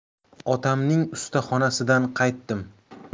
otamning ustaxonadan qaytdim